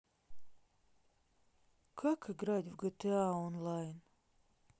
как играть в гта онлайн